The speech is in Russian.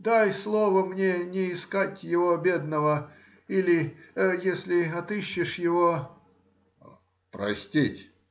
Дай слово мне не искать его, бедного, или. если отыщешь его. — Простить?